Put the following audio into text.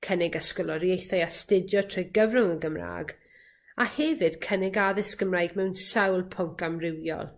cynnig ysgoloriaethau astudio trwy gyfrwng y Gymra'g a hefyd cynnig addysg Gymraeg mewn sawl pwnc amrywiol.